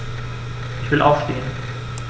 Ich will aufstehen.